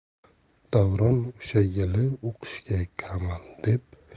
davron o'sha yili o'qishga kiraman deb